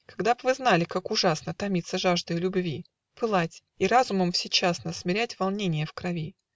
Когда б вы знали, как ужасно Томиться жаждою любви, Пылать - и разумом всечасно Смирять волнение в крови